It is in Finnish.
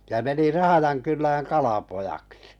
ja meni Rahjankylään kalapojaksi